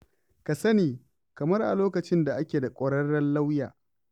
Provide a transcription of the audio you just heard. Ka sani, kamar a lokacin da ake da ƙwararren lauya.